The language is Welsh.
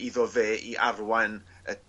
iddo fe i arwain y